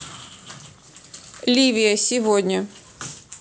ливия сегодня